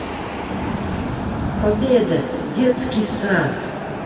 победа детский сад